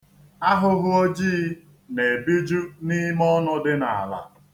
Ahụhụ ojii na-ebiju n'ime ọnụ dị n'ala.